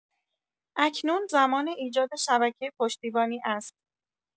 اکنون زمان ایجاد شبکه پشتیبانی است.